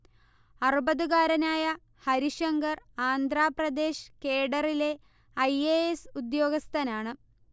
അറുപതുകാരനായ ഹരിശങ്കർ ആന്ധ്രപ്രദേശ് കേഡറിലെ I. A. S. ഉദ്യോഗസ്ഥനാണ്